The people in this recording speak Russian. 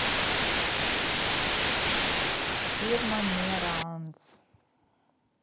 фирма меранц